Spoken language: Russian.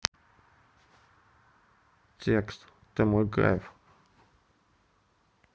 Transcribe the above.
текст ты мой кайф